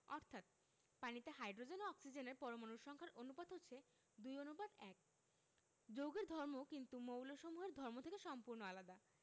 অর্থাৎ পানিতে হাইড্রোজেন ও অক্সিজেনের পরমাণুর সংখ্যার অনুপাত হচ্ছে ২ অনুপাত ১যৌগের ধর্ম কিন্তু মৌলসমূহের ধর্ম থেকে সম্পূর্ণ আলাদা